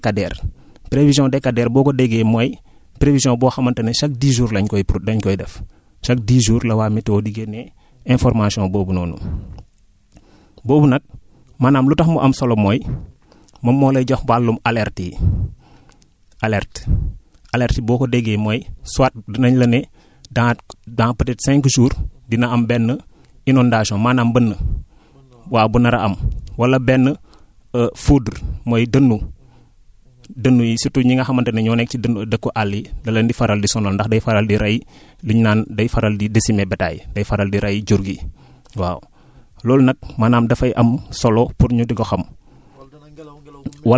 beneen bi ci topp mooy prévision décadaire prévision décadaire boo ko déggee mooy prévision boo xamante ne chaque dix jours lañ koy pro lañ koy def chaque dix jours la waa météo di génne information boobu noonu boobu nag maanaam lu tax mu am solo mooy moom moo lay jox wàllum alertes yi alerte alerte boo ko déggee mooy soit dinañ la ne dans dans peut être cinq jours dina am benn inondation maanaam mbënd waaw bu nar a am wala benn foudre mooy dënnu dënnu yi surtout ñi nga xamante ne ñoo nekk ci dënnu dëkku àll yi da leen di faral di sonal ndax day faral di ray li ñu naan day faral di décimer bétails yi day faral di ray jur gi waaw loolu nag maanaam dafay am solo pour ñu di ko xam